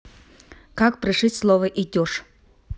как пришить слово идешь